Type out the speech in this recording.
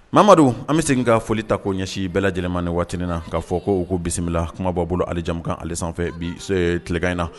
Mamadu an bɛ segin ka foli ta ko ɲɛsin bɛɛ lajɛlenmani ni waati na kaa fɔ k' ko bisimila kuma' bolo halijamu ale sanfɛ bi so ye tileka in na